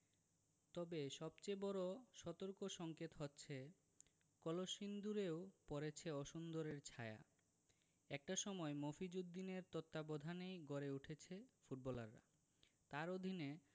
তবে সবচেয়ে বড় সতর্কসংকেত হচ্ছে কলসিন্দুরেও পড়েছে অসুন্দরের ছায়া একটা সময় মফিজ উদ্দিনের তত্ত্বাবধানেই গড়ে উঠেছে ফুটবলাররা তাঁর অধীনে